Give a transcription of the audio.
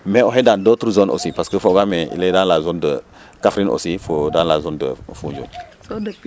mais oxey dans d' autre zone aussi fogaam ee il est dans la zone de kaffrine aussi fo dans la zone de Fuunjuuñ